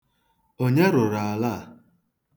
Onye rụrụ ala a?